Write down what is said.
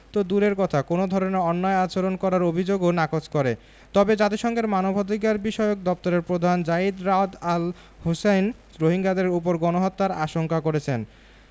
তো দূরের কথা কোনো ধরনের অন্যায় আচরণ করার অভিযোগও নাকচ করে তবে জাতিসংঘের মানবাধিকারবিষয়ক দপ্তরের প্রধান যায়িদ রাদ আল হোসেইন রোহিঙ্গাদের ওপর গণহত্যার আশঙ্কা করেছেন